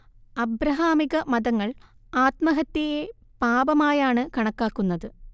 അബ്രഹാമികമതങ്ങൾ ആത്മഹത്യയെ പാപമായാണ് കണക്കാക്കുന്നത്